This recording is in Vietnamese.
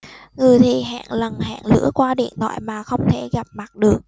người thì hẹn lần hẹn lữa qua điện thoại mà không thể gặp mặt được